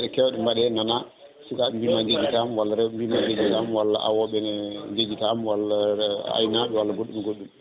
gueɗe kewɗe mbaɗe hen wona cakuɓe mbima jejji tama walla rewɓe mbima jejji tama walla awoɓene jejji tama walla aynaɓe walla goɗɗum e goɗɗum